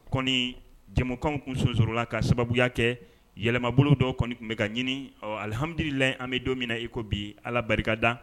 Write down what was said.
Kɔni jɛkan tun sonsola ka sababuya kɛ yɛlɛmabolo dɔ kɔni tun bɛ ka ɲini alihamdulila an bɛ don min iko bi ala barikada